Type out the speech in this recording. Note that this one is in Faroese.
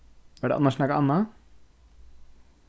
var tað annars nakað annað